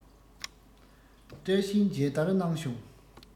བཀྲ ཤིས མཇལ དར གནང བྱུང